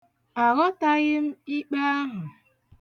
Aghọtaghị m ikpe ahụ.